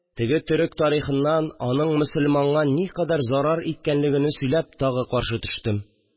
Теге төрек тарихыннан аның мөселманга никадәр зарар иткәнлегене сөйләп, тагы каршы төштем